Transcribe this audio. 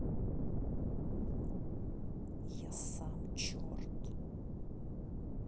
я сам черт